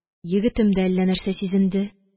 Егетем дә әллә нәрсә сизенде.